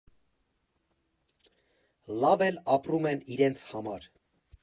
Լավ էլ ապրում են իրանց համար։